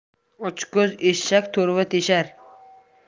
ochko'z eshak to'rva teshar